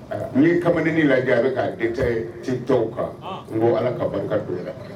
N'i kamalen lajɛ a bɛ' e ta ci tɔww kan n ko ala ka barika donyara